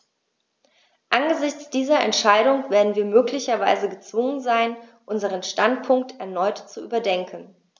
Angesichts dieser Entscheidung werden wir möglicherweise gezwungen sein, unseren Standpunkt erneut zu überdenken.